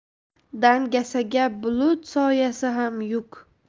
dangasaga bulut soyasi ham yuk